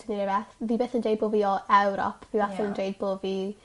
ne' rwbath dwi byth yn deud bo' fi o Ewrop fi wastad yn deud bo' fi